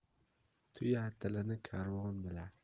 tuya tilini karvon bilar